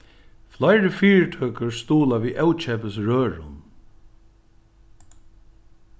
fleiri fyritøkur stuðla við ókeypis rørum